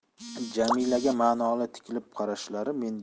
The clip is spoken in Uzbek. jamilaga ma'noli tikilib qarashlari